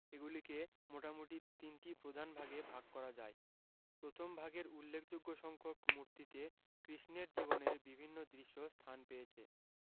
এগুলিকে মোটামোটি তিনটি প্রধান ভাগে ভাগ করা যায় প্রথম ভাগের উল্লেখযোগ্য সংখ্যক মূর্তিতে কৃষ্ণের জীবনের বিভিন্ন দৃশ্য স্থান পেয়েছে